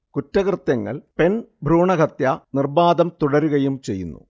കുറ്റകൃത്യങ്ങൾ, പെൺഭ്രൂണഹത്യ നിർബാധം തുടരുകയും ചെയ്യുന്നു